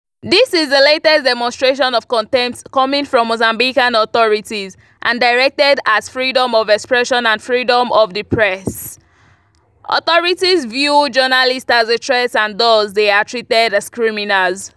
This is the latest demonstration of contempt coming from Mozambican authorities and directed at freedom of expression and freedom of the press...authorities view journalists as a threat and thus they are treated as criminals.